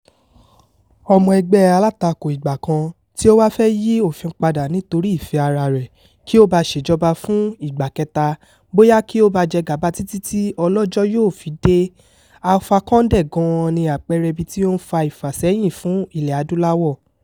Ọmọ ẹgbẹ́ alátakò ìgbàkan, tí ó wá fẹ́ yí òfin padà nítorí ìfẹ́ ara rẹ̀ kí ó ba ṣèjòba fún ìgbà kẹta, bóyá kí ó bá jẹ gàba títí tí Ọlọ́jọ́ yóò fi dé, Alpha Condé gan-an ni àpẹẹrẹ ibi tí ó ń fa ìfàsẹ́yìn fún Ilẹ̀-Adúláwọ̀ !